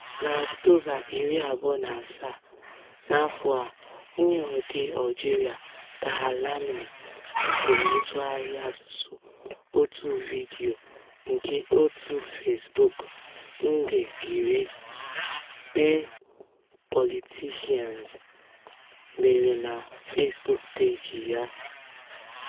Na Ọktoba 27 n'afọ a, onye odee Algeria Tahar Lamri [en] zipụrụ ntụgharị asụsụ otu vidiyo [ar] nke òtù Facebook 10 Millions de Politiciens [ar, fr] mere na Facebook peeji ya.